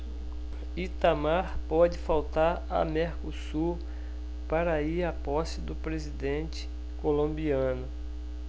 itamar pode faltar a mercosul para ir à posse do presidente colombiano